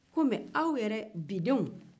ko mɛ aw yɛrɛ bidenw